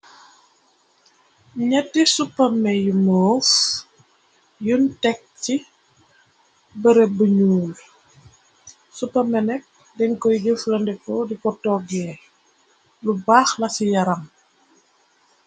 Ñatti supame yu moos, yuñ tekk ci bëreb bu ñuuy, supamé nekk, denkoy jëflandefo di ko toggee, lu baax la ci yaram.